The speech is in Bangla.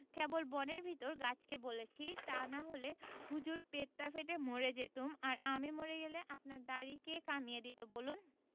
কেবল বনের ভিতর গাছকে বলেছি তানইলে হুজুর পেটটা ফেটে মরে যেতুমআর আমি মরে গেলে আপনার দাড়ি কে কমিয়ে দিত বলুন